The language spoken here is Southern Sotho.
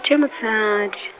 tshe motshehadi.